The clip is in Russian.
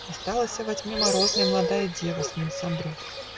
Осталася во тьме морозной Младая дева с ним сам-друг